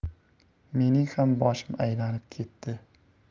mening ham boshim aylanib ketdi